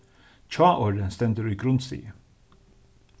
hjáorðið stendur í grundstigi